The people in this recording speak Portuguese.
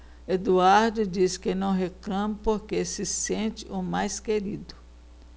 eduardo diz que não reclama porque se sente o mais querido